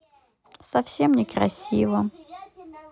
совсем некрасива